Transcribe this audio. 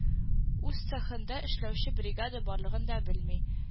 Үз цехында эшләүче бригада барлыгын да белми